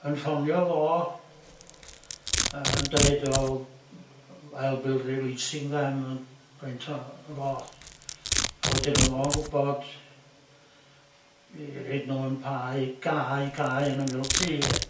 yn ffonio fo yy yn deud wel I'll be releasing them faint o'r gloch a wedyn o'dd o'n gwbod i roid n'w yn pa gau cae yn ymyl tŷ